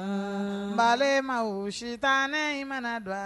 Nba ma sitan ne in mana don